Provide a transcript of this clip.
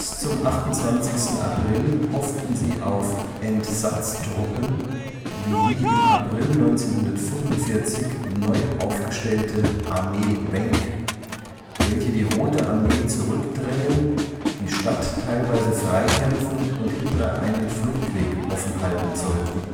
zum 28. April hofften sie auf Entsatztruppen wie die im April 1945 neu aufgestellte Armee Wenck, welche die Rote Armee zurückdrängen, die Stadt teilweise freikämpfen und Hitler einen Fluchtweg offenhalten sollten